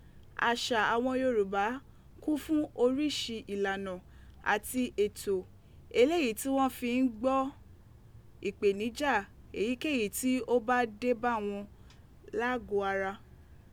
Aṣa awọn Yoruba kun fun orisi ilana ati eto eleyi ti wọn fi n gbọ ipenija eyikeyi to ba de ba wọn lagọ ara.